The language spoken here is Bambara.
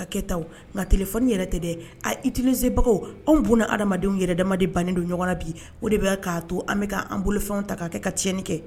An ka kɛtaw nka telephone yɛrɛ tɛ dɛ, a utiluser bagaw, anw bun adama _denw yɛrɛ dama de bannen don ɲɔgɔn na bi, o de b'a to an bɛka an bolofɛnw ta k'a kɛ ka tiɲɛnni kɛ!